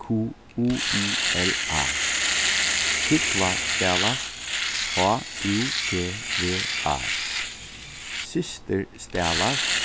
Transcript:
q u i l a húgva stavast h ú g v a systir stavast